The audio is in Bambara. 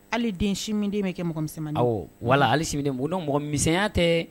Hali den si minden bɛ kɛ mɔgɔ mi na wala hali sigilen o don mɔgɔ miya tɛ